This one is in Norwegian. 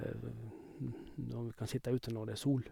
Når vi kan sitte ute når det er sol.